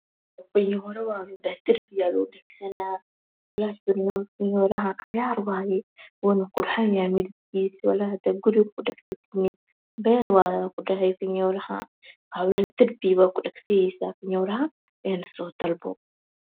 Fiyoore waa la dhahay darbigaa lagu dhagsanaa fiyooraha cagaar waaye wa la qurxan yahay midibkiisa wallaahi hadii guriga ku dhagsatidne beelo waaye ku dhahay fiyooraha darbiga ku dhagsahee fiyooraha ee soo dalbo